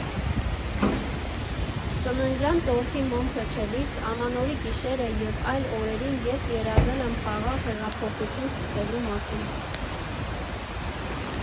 Ծննդյան տորթի մոմ փչելիս, Ամանորի գիշերը և այլ օրերին ես երազել եմ խաղաղ հեղափոխություն սկսելու մասին։